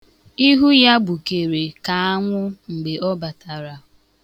Ihu ya gbukere ka anwụ mgbe ọ batara.